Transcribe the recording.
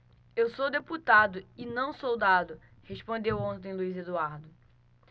eu sou deputado e não soldado respondeu ontem luís eduardo